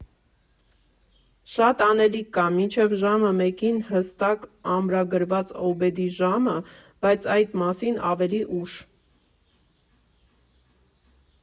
Շատ անելիք կա մինչև ժամը մեկին հստակ ամրագրված «օբեդի» ժամը, բայց այդ մասին ավելի ուշ։